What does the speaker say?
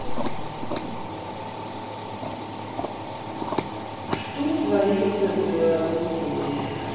что творится в белоруссии